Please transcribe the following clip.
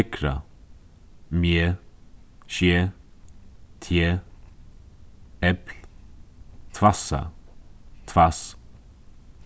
tykra meg seg teg epli tvassa tvass